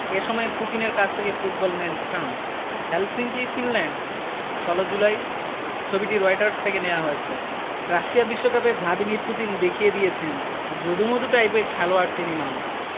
এ সময় পুতিনের কাছ থেকে ফুটবল নেন ট্রাম্প হেলসিঙ্কি ফিনল্যান্ড ১৬ জুলাই ছবিটি রয়টার্স থেকে নেয়া হয়েছে রাশিয়া বিশ্বকাপে ভ্লাদিমির পুতিন দেখিয়ে দিয়েছেন যদু মধু টাইপের খেলোয়াড় তিনি নন